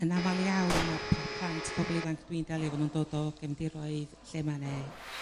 Yn amal iawn ma'r p- plant pobol ifanc dwi'n delio efo nhw'n dod o gefndiroedd lle ma' 'ne